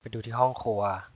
ไปดูที่ห้องครัว